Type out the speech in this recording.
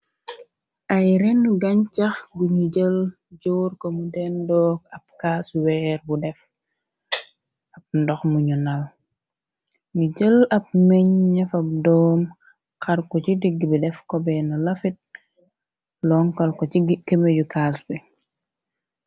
Ay rennu gañchax gunu jël joor ko mu dendook ab kaas weer bu def ab ndox muñu nal, nu jël ab meñ ñefab doom xarku ci digg bi def kobee na lafit lonkal ko ci kemeju caas bi.